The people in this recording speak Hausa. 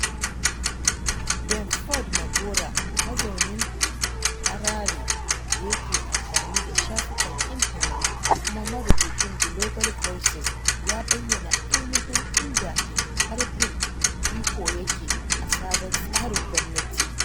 Denford Magora, mazaunin Harare da yake amfani da shafukan intanet kuma Marubucin Global Voices ya bayyana ainihin inda ƙarfin iko yake a sabon tsarin gwamnati.